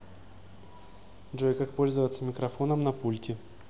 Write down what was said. джой как пользоваться микрофоном на пульте